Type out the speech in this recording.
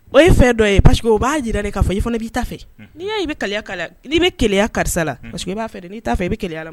O ye fɛn dɔ ye paseke u b'a jira k'a fɔ i fana b'i ta fɛ n'i y' i bɛ kala la n'i bɛya karisa laseke i b'a fɛ n' ta fɛ i bɛ ala la